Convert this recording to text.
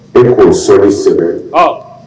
Yani I k'o sɔli sɛbɛn